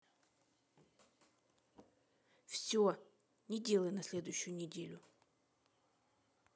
все не делай на следующую неделю